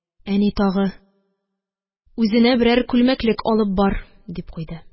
Әни тагы: – Үзенә берәр күлмәклек алып бар, – дип куйды.